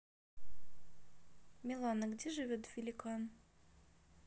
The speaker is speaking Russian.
милана где живет великан